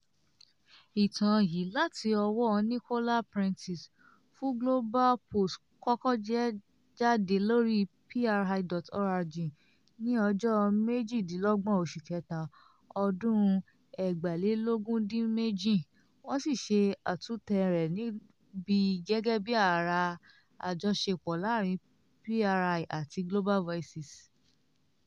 Ìtàn yìí láti ọwọ́ Nicola Prentis fún Global post kókó jẹ jáde lórí PRI.org ní ọjọ́ 28 oṣù Kẹta, ọdún 2018, wọ́n sì ṣe àtúntẹ̀ rẹ̀ níbi gẹ́gẹ́ bíi ara àjọṣepọ̀ láàárín PRI àti Global Voices.